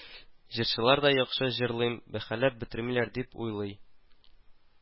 Җырчылар да яхшы җырлыйм, бәһаләп бетермиләр дип уйлый